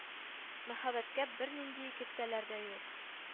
Мәхәббәткә бернинди киртәләр дә юк